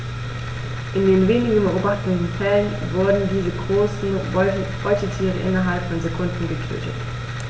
In den wenigen beobachteten Fällen wurden diese großen Beutetiere innerhalb von Sekunden getötet.